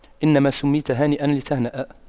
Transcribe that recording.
إنما سُمِّيتَ هانئاً لتهنأ